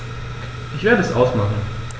Ich werde es ausmachen